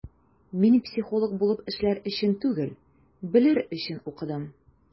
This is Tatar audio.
Мин психолог булып эшләр өчен түгел, белер өчен укыдым.